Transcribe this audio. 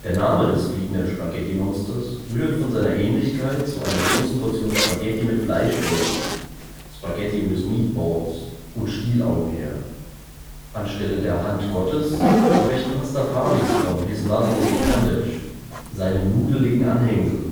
Name des fliegenden Spaghettimonsters rührt von seiner Ähnlichkeit zu einer großen Portion Spaghetti mit Fleischbällchen (Spaghetti with meatballs) und Stielaugen her. Anstelle der „ Hand Gottes “sprechen Pastafaris von His Noodly Appendage („ Seinem Nudeligen Anhängsel